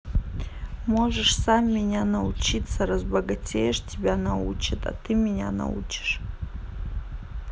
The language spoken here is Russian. можешь сам меня научиться разработать тебя научат а ты меня научишь